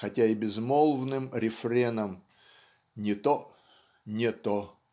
хотя и безмолвным рефреном не то, не то.